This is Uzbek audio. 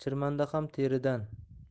chirmanda ham teridan